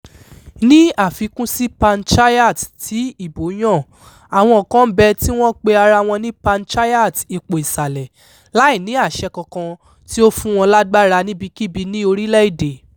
Ní àfikùn sí panchayat tí ìbó yàn, àwọn kan ńbẹ tí wọ́n pe ara wọn ní panchayat ipò-ìsàlẹ̀ láì ní àṣẹ kankan tí ó fún wọn lágbara níbikíbi ní orílẹ̀-èdè.